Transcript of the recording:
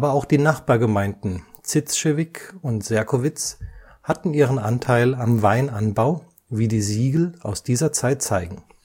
auch die Nachbargemeinden Zitzschewig und Serkowitz hatten ihren Anteil am Weinanbau, wie die Siegel aus dieser Zeit zeigen